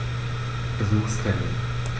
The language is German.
Besuchstermin